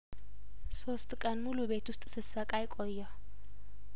ሶስት ቀን ሙሉ እቤት ውስጥ ስሰቃይቆየሁ